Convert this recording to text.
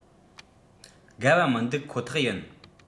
དགའ བ མི འདུག ཁོ ཐག ཡིན